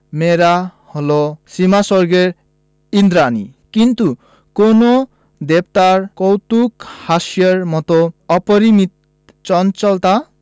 মেয়েরা হল সীমাস্বর্গের ঈন্দ্রাণী কিন্তু কোন দেবতার কৌতূকহাস্যের মত অপরিমিত চঞ্চলতা